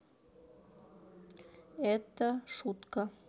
это шутка